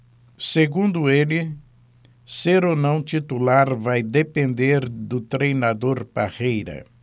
segundo ele ser ou não titular vai depender do treinador parreira